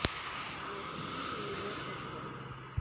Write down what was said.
а четыре и the сосед